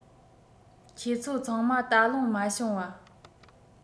ཁྱེད ཚོ ཚང མ བལྟ ལོང མ བྱུང བ